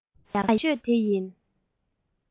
ཁོ ལག ཡག ཤོས དེ ཡིན